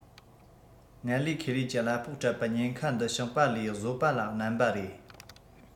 ངལ ལས ཁེ ལས ཀྱིས གླ ཕོགས སྤྲད པ ཉེན ཁ འདི ཞིང པ ལས བཟོ པ ལ བསྣན པ རེད